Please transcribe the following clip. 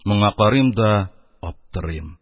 Моңа карыйм да аптырыйм: